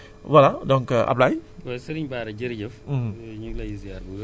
ci Louga d' accord d' accord ok voilà donc Ablaye